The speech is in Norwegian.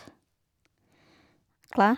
Klar.